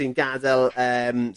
...sy'n gadel yym